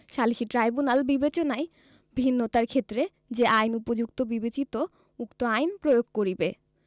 সালিসী ট্রাইব্যুনাল বিবেচনায় ভিন্নতার ক্ষেত্রে যে আইন উপযুক্ত বিবেচিত উক্ত আইন প্রয়োগ করিবে